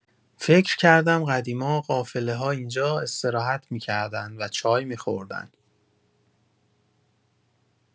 فکر کردم قدیما قافله‌ها اینجا استراحت می‌کردن و چای می‌خوردن.